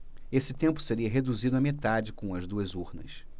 esse tempo seria reduzido à metade com as duas urnas